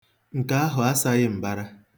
Nke ahụ asaghị mbara.